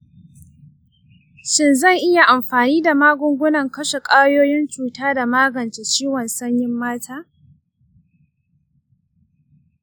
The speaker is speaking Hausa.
shin zan iya amfani da magungunan kashe kwayoyin cuta don magance ciwon sanyin mata ?